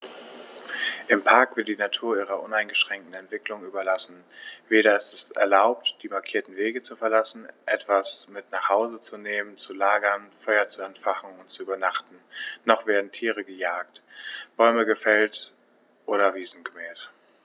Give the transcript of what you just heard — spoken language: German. Im Park wird die Natur ihrer uneingeschränkten Entwicklung überlassen; weder ist es erlaubt, die markierten Wege zu verlassen, etwas mit nach Hause zu nehmen, zu lagern, Feuer zu entfachen und zu übernachten, noch werden Tiere gejagt, Bäume gefällt oder Wiesen gemäht.